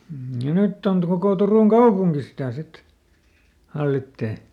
mm ja nyt - koko Turun kaupunki sitä sitten hallitsee